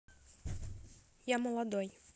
я молодой